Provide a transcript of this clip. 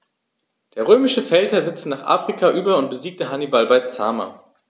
Der römische Feldherr setzte nach Afrika über und besiegte Hannibal bei Zama.